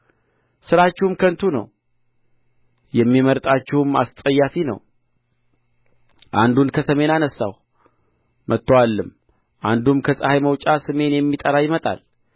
ሥራችሁም ከንቱ ነው የሚመርጣችሁም አስጻያፊ ነው አንዱን ከሰሜን አነሣሁ መጥቶአልም አንዱም ከፀሐይ መውጫ ስሜን የሚጠራ ይመጣል